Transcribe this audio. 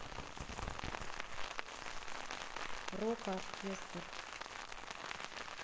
рок оркестр